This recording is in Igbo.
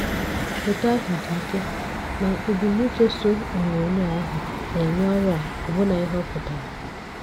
"Foto ahụ dị ike, ma ebumnuche so onyonyo ahụ na-enye ọrụ a ọbụna ihe ọ pụtara.